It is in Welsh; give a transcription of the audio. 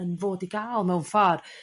yn fod i ga'l mewn ffor'